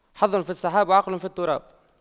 حظ في السحاب وعقل في التراب